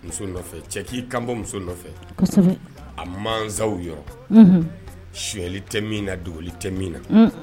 Muso nɔfɛ cɛ k'i kanbɔ muso nɔfɛ a masaw yɔrɔ sonyali tɛ